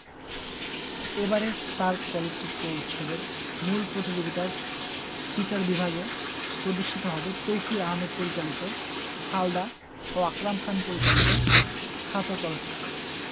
এবারের সার্ক চলচ্চিত্র উৎসবের মূল প্রতিযোগিতা ফিচার বিভাগে প্রদর্শিত হবে তৌকীর আহমেদ পরিচালিত হালদা ও আকরাম খান পরিচালিত খাঁচা চলচ্চিত্র